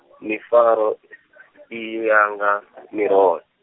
mifaro , i ya nga , mirole.